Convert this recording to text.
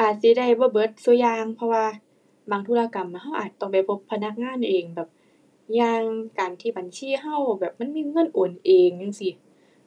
อาจสิได้บ่เบิดซุอย่างเพราะว่าบางธุรกรรมเราอาจต้องไปพบพนักงานเอง แบบ อย่างการที่บัญชีเรา แบบ มันมีเงินโอนเองจั่งซี้